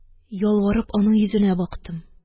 Ялварып, аның йөзенә бактым